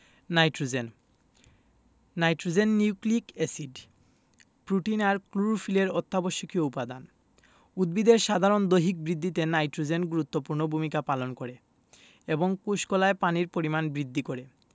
nitrogen nitrogen nucleic acid protein আর ক্লোরোফিলের অত্যাবশ্যকীয় উপাদান উদ্ভিদের সাধারণ দৈহিক বৃদ্ধিতে নাইট্রোজেন গুরুত্বপূর্ণ ভূমিকা পালন করে এবং কোষ কলায় পানির পরিমাণ বৃদ্ধি করে